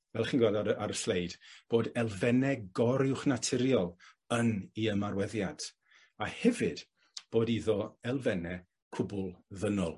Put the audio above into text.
fel 'ych chi'n gweld ar y ar y sleid bod elfenne goruwchnaturiol yn 'i ymarweddiad, a hefyd bod iddo elfenne cwbwl ddynol.